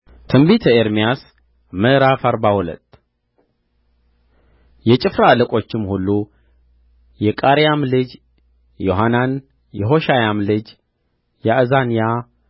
ትንቢተ ኤርምያስ ምዕራፍ አርባ ሁለት የጭፍራ አለቆችም ሁሉ የቃሬያም ልጅ ዮሐናን የሆሻያም ልጅ ያእዛንያ